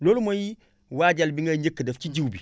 loolu mooy waajal bi ngay njëkk a def ci jiwu bi